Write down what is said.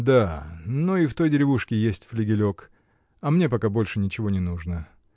-- Да. но и в той деревушке есть флигелек; а мне пока больше ничего не нужно.